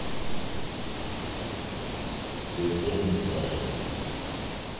безумный сварит